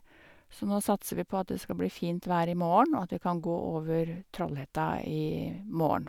Så nå satser vi på at det skal bli fint vær i morgen og at vi kan gå over Trollhetta i morgen.